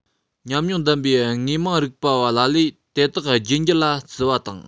མཉམ མྱོང ལྡན པའི དངོས མང རིག པ བ ལ ལས དེ དག རྒྱུད འགྱུར ལ བརྩི བ དང